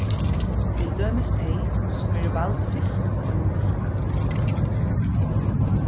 til dømis tey sum eru vald fyrst á einum lista